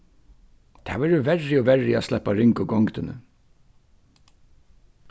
tað verður verri og verri at sleppa ringu gongdini